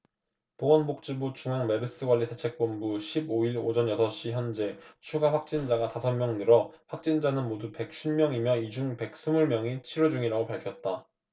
보건복지부 중앙메르스관리대책본부 십 오 일 오전 여섯 시 현재 추가 확진자가 다섯 명 늘어 확진자는 모두 백 쉰 명이며 이 중 백 스물 명이 치료 중이라고 밝혔다